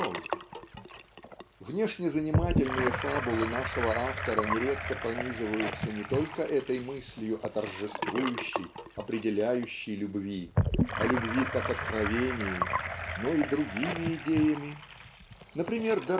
Бог?" Внешне занимательные фабулы нашего автора нередко пронизываются не только этой мыслью о торжествующей определяющей любви о любви как откровении но и другими идеями. Например